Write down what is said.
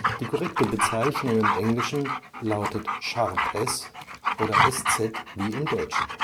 Die korrekte Bezeichnung im Englischen lautet Sharp S oder Eszett wie im Deutschen